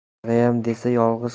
qarg'ayin desam yolg'iz